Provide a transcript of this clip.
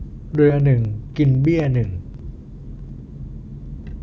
เรือหนึ่งกินเบี้ยหนึ่ง